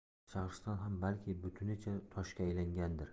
shahriston ham balki butunicha toshga aylangandir